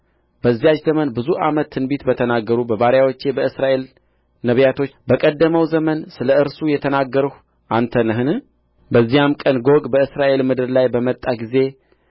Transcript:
በዚያች ዘመን ብዙ ዓመት ትንቢት በተናገሩ በባሪያዎቼ በእስራኤል ነቢያቶች በቀደመው ዘመን ስለ እርሱ የተናገርሁ አንተ ነህን በዚያም ቀን ጎግ በእስራኤል ምድር ላይ በመጣ ጊዜ